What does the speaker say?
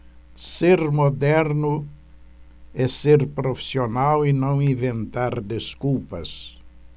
ser moderno é ser profissional e não inventar desculpas